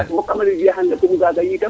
*